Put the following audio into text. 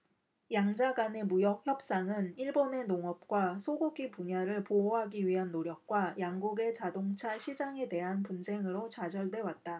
양자간의 무역협상은 일본의 농업과 소고기 분야를 보호하기 위한 노력과 양국의 자동차 시장에 대한 분쟁으로 좌절돼왔다